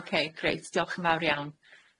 Oce grêt diolch yn fawr iawn.